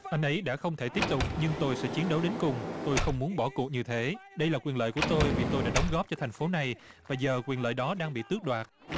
anh ấy đã không thể tiếp tục nhưng tôi sẽ chiến đấu đến cùng tôi không muốn bỏ cuộc như thể đây là quyền lợi của tôi vì tôi đã đóng góp cho thành phố này và giờ quyền lợi đó đang bị tước đoạt